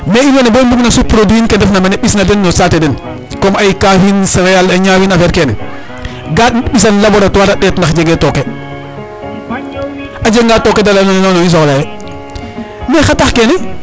Pais in wene bo i mbugna sut produit in kene refna mene ɓisin a den no saate den comme ay kaafin cereale a ñaawin affaire kene ga ɓisan laboratoire ndax jegee tooke; a jeganga tooke da lay a nuun non non i soxlare mais xa tax kene.